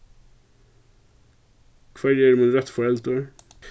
hvørji eru míni røttu foreldur